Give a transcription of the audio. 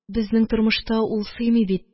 Безнең тормышта ул сыймый бит,